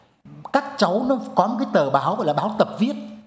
các cháu nó có một cái tờ báo là báo tập viết